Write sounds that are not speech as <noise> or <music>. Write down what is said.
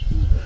<noise> <hesitation> <hesitation>